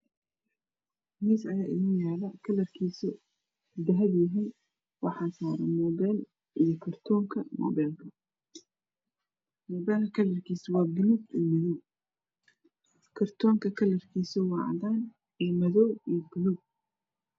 Miis ayaa inoo yala kalarkiisu yahay dahabi waxaa saran mobel iyo kartoonka mobelka mobelka kalarkiisu waa baluug kartonka kalarkiisa waa cadan iyo madow iyo baluug